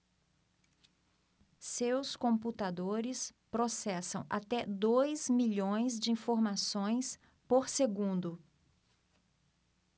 seus computadores processam até dois milhões de informações por segundo